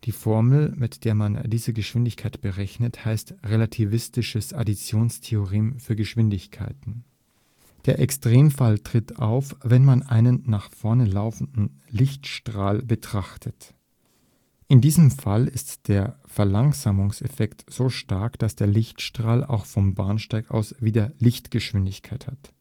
Formel, mit der man diese Geschwindigkeit berechnet, heißt relativistisches Additionstheorem für Geschwindigkeiten. Der Extremfall tritt auf, wenn man einen nach vorne laufenden Lichtstrahl betrachtet. In diesem Fall ist der Verlangsamungseffekt so stark, dass der Lichtstrahl auch vom Bahnsteig aus wieder Lichtgeschwindigkeit hat